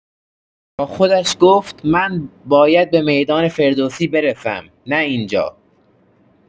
با خودش گفت: «من باید به میدان فردوسی برسم، نه اینجا.»